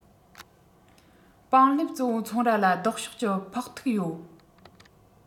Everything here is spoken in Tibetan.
པང ལེབ གཙོ བོ ཚོང ར ལ ལྡོག ཕྱོགས ཀྱི ཕོག ཐུག ཡོད